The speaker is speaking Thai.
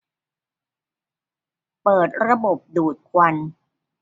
เปิดระบบดูดควัน